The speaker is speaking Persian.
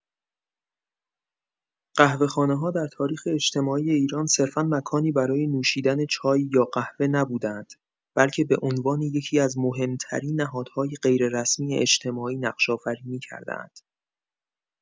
قهوه‌خانه‌ها در تاریخ اجتماعی ایران، صرفا مکانی برای نوشیدن چای یا قهوه نبوده‌اند، بلکه به‌عنوان یکی‌از مهم‌ترین نهادهای غیررسمی اجتماعی نقش‌آفرینی کرده‌اند.